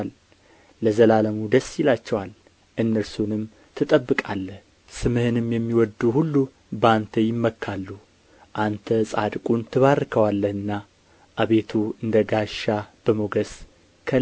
ለዘላለሙ ደስ ይላቸዋል እነርሱንም ትጠብቃለህ ስምህንም የሚወድዱ ሁሉ በአንተ ይመካሉ አንተ ጻድቁን ትባርከዋለህና አቤቱ እንደ ጋሻ በሞገስ